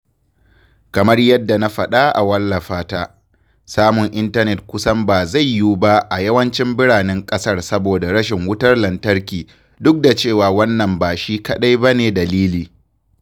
Kamar yadda na faɗa a wallafa ta [Fr], samun intanet kusan ba zai yiwu ba a yawancin biranen ƙasar saboda rashin wutar lantarki duk da cewa wannan ba shi kaɗai bane dalili.